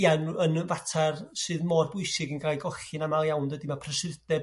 ie yn yn fater sydd mor bwysig yn cael 'u colli yn amal iawn dydi ma' prysurdeb